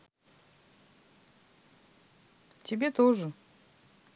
тебе тоже